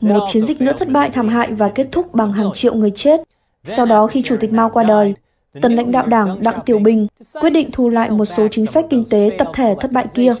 một chiến dịch nữa thất bại thảm hại và kết thúc bằng hàng triệu người chết sau đó khi chủ tịch mao qua đời tân lãnh đạo đảng đặng tiểu bình quyết định thu lại một số chính sách kinh tế tập thể thất bại kia